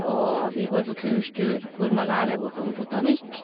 Og vi går på kurstur hvor man lærer bort om botanikk.